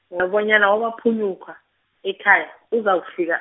wa- bonyana wabaphunyurha, ekhaya, uzakufika.